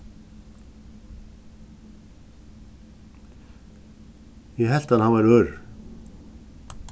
eg helt at hann var ørur